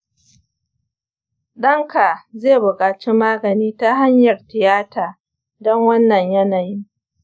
ɗanka zai buƙaci magani ta hanyar tiyata don wannan yanayin.